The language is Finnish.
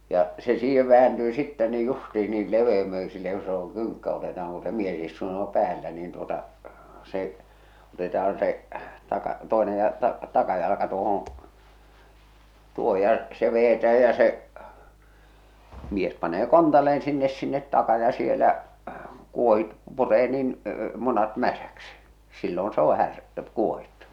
ja se siihen vääntyy sitten niin justiin niin leveämmöisilleen kun se on kynkkä otetaan kun se mies istuu jo päällä niin tuota se otetaaan se - toinen ja - takajalka tuohon tuohon ja se vedetään ja se mies panee kontalleen sinne sinne taa ja siellä - puree niin munat mäsäksi silloin se on - kuohittu